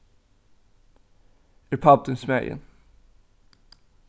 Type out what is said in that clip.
er pápi tín smæðin